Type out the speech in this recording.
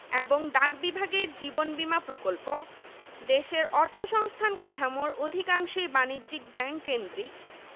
ক্ষুদ্র্ ঋণ দানকারী প্রতিষ্ঠান মাঠপর্যায়ে উন্নয়ন কর্মকান্ডে নিয়োজিত রয়েছে শিল্পঃ পাট চা টেক্সটাইল তৈরি পোশাক কাগজ সার